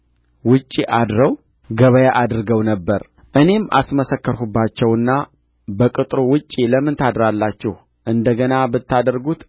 ውጭ አድረው ገበያ አድርገው ነበር እኔም አስመሰከርሁባቸውና በቅጥሩ ውጭ ለምን ታድራላችሁ እንደ ገና ብታደርጉት